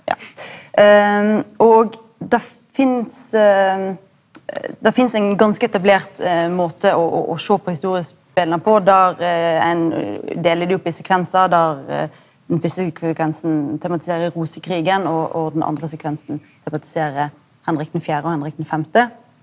ja og der finst det finst ein ganske etablert måte å å sjå på historiespela på der ein delar dei opp i sekvensar der den fyrste sekvensen tematiserer Rosekrigen og og den andre sekvensen tematiserer Henrik den fjerde og Henrik den femte.